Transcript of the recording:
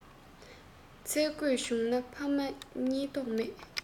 འཚོལ དགོས བྱུང ན ཕ མ རྙེད མདོག མེད